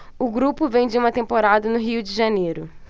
o grupo vem de uma temporada no rio de janeiro